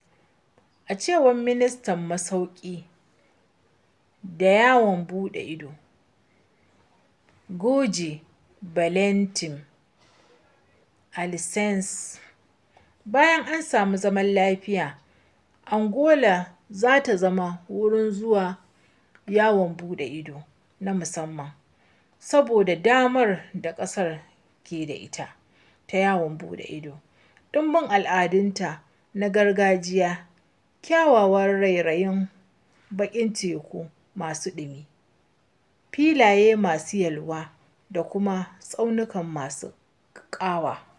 A cewar Ministan Masauƙi da Yawon Buɗe Ido, Jorge Valentim Alicerces, "bayan an samu zaman lafiya, Angola za ta zama wurin zuwa yawon buɗe ido na musamman saboda damar da ƙasar ke da ita ta yawon buɗe ido, ɗimbin al'adunta na gargajiya, kyawawan rairayin bakin teku masu ɗumi, filaye masu yalwa, da kuma tsaunukan masu ƙawa."